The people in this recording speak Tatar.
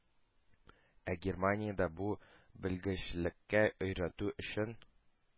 Ә германиядә бу белгечлеккә өйрәтү өчен